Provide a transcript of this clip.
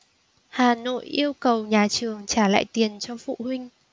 hà nội yêu cầu nhà trường trả lại tiền cho phụ huynh